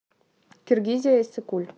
киргизия иссыкуль